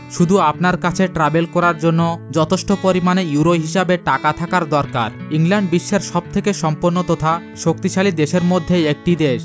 শুধু আপনার কাছে ট্রাভেল করার জন্য যথেষ্ট পরিমাণে ইউরো হিসেবে টাকা থাকার দরকার ইংল্যান্ড বিশ্বের সবথেকে সম্পন্ন তথা শক্তিশালী দেশের মধ্যে একটি দেশ